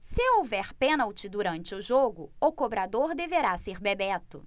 se houver pênalti durante o jogo o cobrador deverá ser bebeto